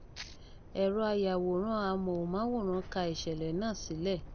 Ẹ̀rọ-ayàwòrán amóhùnmáwòrán ká ìṣẹ̀lẹ̀ náà sílẹ̀.